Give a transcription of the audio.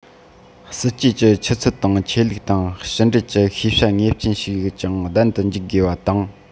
སྲིད ཇུས ཀྱི ཆུ ཚད དང ཆོས ལུགས དང ཕྱི འབྲེལ གྱི ཤེས བྱ ངེས ཅན ཞིག ཀྱང ལྡན དུ འཇུག དགོས པ དང